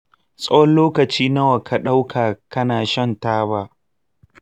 tsawon lokaci nawa ka ɗauka kna shan taba?